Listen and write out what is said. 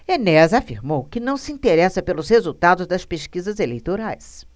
enéas afirmou que não se interessa pelos resultados das pesquisas eleitorais